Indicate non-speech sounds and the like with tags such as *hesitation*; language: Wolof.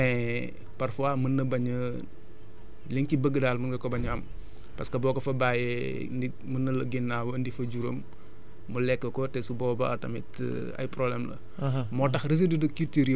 peut être lu baax la *noise* mais parfois mën na bañ a *hesitation* li nga ci bëgg daal mun nga ko bañ a am parce que boo ko fa bàyyee nit mën na la ginnaawu andi fa juram mu lekk ko te su boobaa tamit *hesitation* ay problèmes la